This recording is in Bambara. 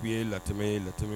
K'i ye latɛmɛ ye latɛmɛ ye